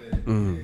Unhun